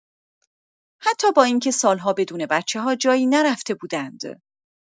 حتی با اینکه سال‌ها بدون بچه‌ها جایی نرفته بودند.